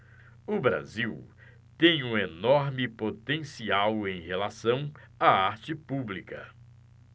o brasil tem um enorme potencial em relação à arte pública